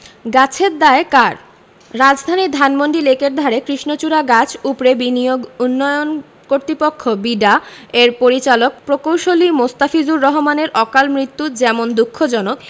গাছের দায় কার রাজধানীর ধানমন্ডি লেকের ধারে কৃষ্ণচূড়া গাছ উপড়ে বিনিয়োগ উন্নয়ন কর্তৃপক্ষ বিডা এর পরিচালক প্রকৌশলী মোস্তাফিজুর রহমানের অকালমৃত্যু যেমন দুঃখজনক